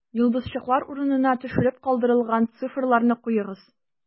Йолдызчыклар урынына төшереп калдырылган цифрларны куегыз: